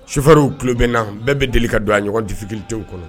Sufarinw ku min na bɛɛ bɛ deli ka don a ɲɔgɔn difikilidenw kɔnɔ